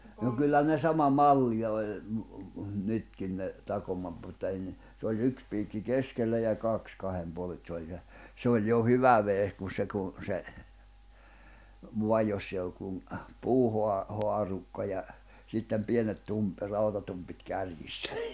no kyllä ne sama malli oli - nytkin ne - mutta ennen se oli yksi piikki keskellä ja kaksi kahden puolen että se oli se se oli jo hyvä vehje kun se kun se vain jossa ei ollut kuin - puuhaarukka ja sitten pienet - rautatumpit kärjissä